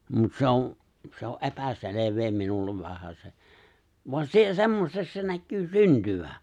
mutta se on se on epäselvää minulle vähäsen vaan - semmoiseksi se näkyy syntyvän